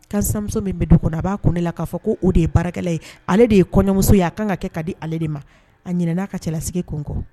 Ka samuso min bɛ dugu kɔnɔ a b'a kun ne la k'a fɔ ko o de ye baarakɛla ye ale de ye kɔɲɔmuso ye a kan ka kɛ ka di ale de ma a ɲ n'a ka cɛlasigi ko kɔ